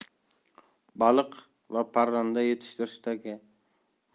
baliq va parranda yetishtirishdagi